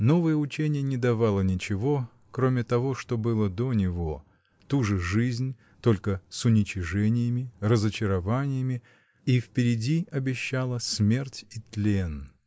Новое учение не давало ничего, кроме того, что было до него: ту же жизнь, только с уничижениями, разочарованиями, и впереди обещало — смерть и тлен.